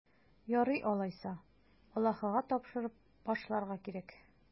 Ярый алайса, Аллаһыга тапшырып башларга кирәк.